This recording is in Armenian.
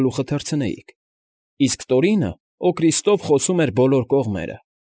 Գլուխը թռցնեիք, իսկ Տորինը Օրկրիստով խոցում էր բոլոր կողմերը։